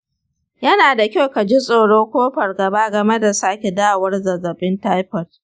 yana da kyau ka ji tsoro ko fargaba game da sake dawowar zazzabin taifot